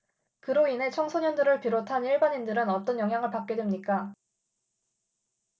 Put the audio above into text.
그로 인해 청소년들을 비롯한 일반인들은 어떤 영향을 받게 됩니까